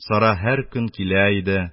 Сара һәр көн килә иде.